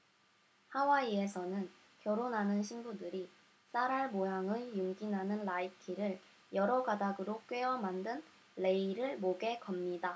하와이에서는 결혼하는 신부들이 쌀알 모양의 윤기 나는 라이키를 여러 가닥으로 꿰어 만든 레이를 목에 겁니다